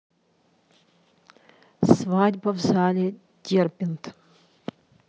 свадьба в зале дербент